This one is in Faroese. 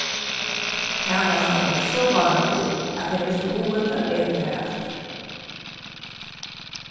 tænastan var so vánalig at tey mistu hugin til at eta har aftur